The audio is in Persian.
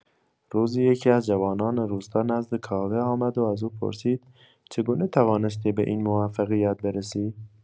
روزی یکی‌از جوانان روستا نزد کاوه آمد و از او پرسید: چگونه توانستی به این موفقیت برسی؟